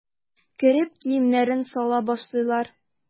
Кереп киемнәрен сала башлыйлар.